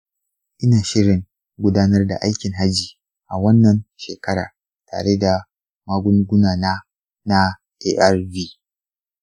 ina shirin gudanar da aikin hajji a wannan shekara tare da magungunana na arv.